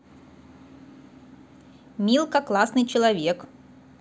milka классный человек